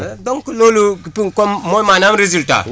donc loolu tout comme mooy maanaam résultat